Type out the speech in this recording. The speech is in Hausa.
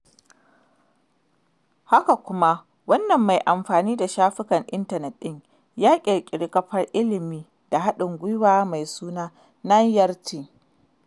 Haka kuma, wannan mai amfani da shafukan intanet ɗin ya ƙirƙiri kafar ilimi da haɗin gwiwa mai suna 9rayti.